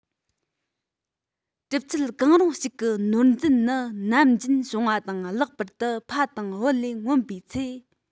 གྲུབ ཚུལ གང རུང ཞིག གི ནོར འཛོལ ནི ནམ རྒྱུན བྱུང བ དང ལྷག པར དུ ཕ དང བུ ལས མངོན པའི ཚེ